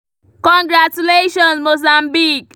Congratulations, Mozambique!